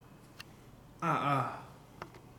ཨ ཨ